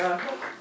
waaw